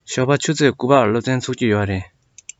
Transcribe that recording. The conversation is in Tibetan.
ཞོགས པ ཆུ ཚོད དགུ པར སློབ ཚན ཚུགས ཀྱི ཡོད རེད